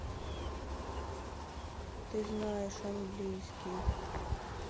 ты знаешь английский